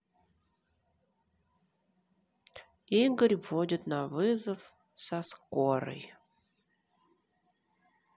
игорь водит на вызов со скорой